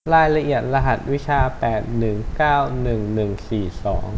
รายละเอียดรหัสวิชาแปดหนึ่งเก้าหนึ่งหนึ่งสี่สอง